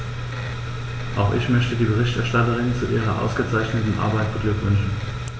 Auch ich möchte die Berichterstatterin zu ihrer ausgezeichneten Arbeit beglückwünschen.